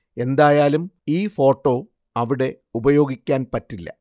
എന്തായാലും ഈ ഫോട്ടോ അവിടെ ഉപയോഗിക്കാൻ പറ്റില്ല